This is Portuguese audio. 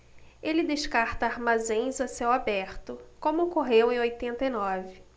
ele descarta armazéns a céu aberto como ocorreu em oitenta e nove